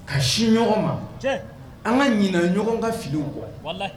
Ka sin ɲɔgɔn ma ,cɛn. An ka ɲinɛ ɲɔgɔn ka filiw kɔ, wallahi